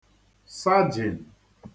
sajiǹ